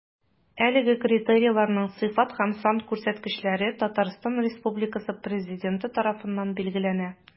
Әлеге критерийларның сыйфат һәм сан күрсәткечләре Татарстан Республикасы Президенты тарафыннан билгеләнә.